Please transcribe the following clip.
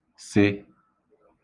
-sị